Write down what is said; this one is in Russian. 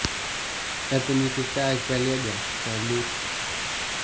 это никакая не коллега салют